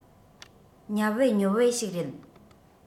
ཉབ བེ ཉོབ བེ ཞིག རེད